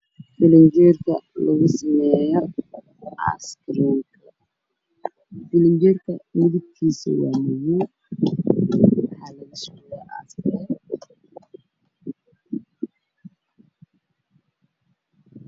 W Waa faranjiyeerka lugu sameeyo aas kareemka, midna waa madow.